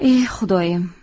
e xudoyim